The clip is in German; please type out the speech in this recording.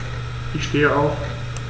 Ich stehe auf.